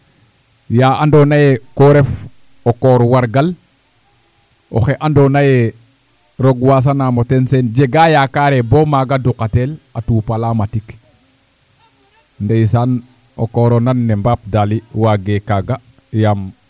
yaa andoona yee koo ref o koor wargal oxe andoona yee roog waasanaam o ten Seen jega yaakare boo maaga duqatel a tup ale matik ndeysaan o koor o nand nena mbaap daly waagee kaaga yaam